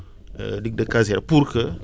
digue de * pour que